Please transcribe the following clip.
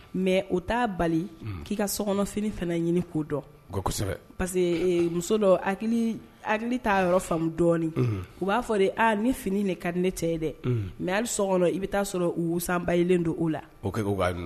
Mɛ o t taa bali k'i ka sokɔnɔf fana ɲini ko dɔn parce que muso dɔ hakili ta yɔrɔ faamu dɔɔnin u b'a fɔ de aaa ni fini de ka di ne cɛ dɛ mɛ ali so kɔnɔ i bɛ taa sɔrɔ sanbalen don o la o b'a